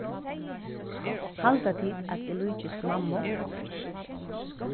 halda tit at eg líkist mammu